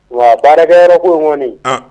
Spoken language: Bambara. Wa baara bɛ yɔrɔko ɲɔgɔnɔni